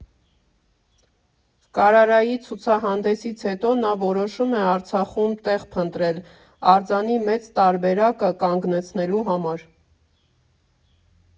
Կարարայի ցուցահանդեսից հետո նա որոշում է Արցախում տեղ փնտրել՝ արձանի մեծ տարբերակը կանգնեցնելու համար։